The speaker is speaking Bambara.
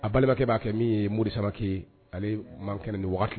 A balimankɛ b'a kɛ min ye Modi Samake ye ale man kɛnɛ nin waati